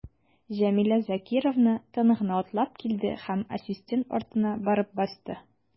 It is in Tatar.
Җәмилә Закировна тын гына атлап килде һәм ассистент артына барып басты.